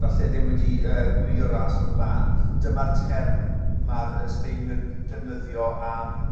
falle ddim wedi yy gwylio'r ras o'r blan dyma'r term ma'r yy Sbaenwyr yn defnyddio am